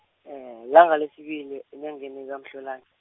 lilanga lesibili enyangeni kaMhlolanja.